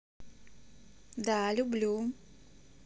да люблю